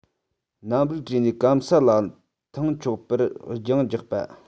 སྣམ རིགས བཀྲུས ནས སྐམ ས ལ ཐང ཆོད པར རྒྱང རྒྱག པ